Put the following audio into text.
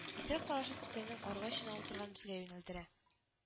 Исерек карашын өстәлнең аргы очына утырган безгә юнәлдерә